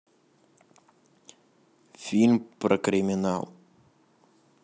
фильм про криминал